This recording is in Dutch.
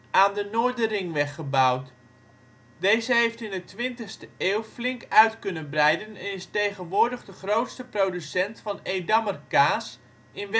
aan de Noorderringweg gebouwd. Deze heeft in de twintigste eeuw flink uit kunnen breiden en is tegenwoordig de grootste producent van Edammer kaas in